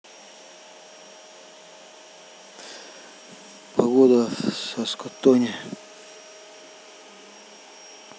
погода в саскотоне